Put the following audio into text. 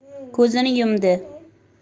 ko'zini yumdi